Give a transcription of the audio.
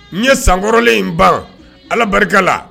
N ye san kɔrɔlen in ban allah barika la!